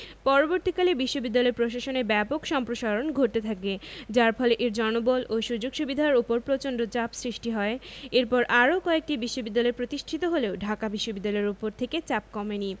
পরবর্তীকালে বিশ্ববিদ্যালয় প্রশাসনে ব্যাপক সম্প্রসারণ ঘটতে থাকে যার ফলে এর জনবল ও সুযোগ সুবিধার ওপর প্রচন্ড চাপ সৃষ্টি হয় এরপর আরও কয়েকটি বিশ্ববিদ্যালয় প্রতিষ্ঠিত হলেও ঢাকা বিশ্ববিদ্যালয়ের ওপর থেকে চাপ কমেনি